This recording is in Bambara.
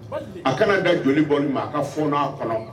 A kana' an ka joli bɔ ma a ka fɔ nɔnɔ a kɔnɔ